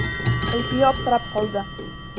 Әлфия аптырап калды.